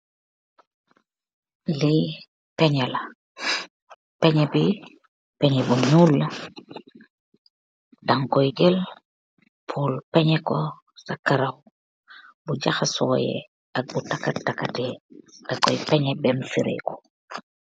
Li pexnex la penxnex bi pexnex bu nuul la tang koi jel pul penxnex ko sa caraw bu jasoyex ak bu takat takate dang koi pexnex bem fereku.